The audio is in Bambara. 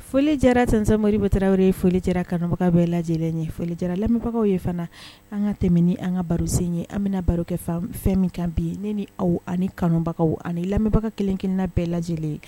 Foli jara 1moptaraw ye foli kanubaga bɛɛ lajɛ lajɛlen ye foli lamɛnbagaw ye fana an ka tɛmɛ ni an ka barosen ye an bɛna barokɛ fan fɛn min kan bi ne ni aw ani kanubagaw ani lamɛnbagaw kelen-kelenna bɛɛ lajɛ lajɛlen